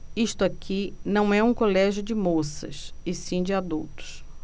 isto aqui não é um colégio de moças e sim de adultos